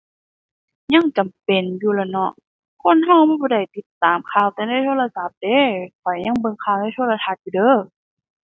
ยังจำเป็นอยู่ล่ะเนาะ คนเรามันบ่ได้ติดตามข่าวแต่ในโทรศัพท์เด้ ข้อยยังเบิ่งข่าวในโทรทัศน์อยู่เด้อ